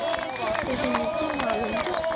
o'zingizga ma'lumdir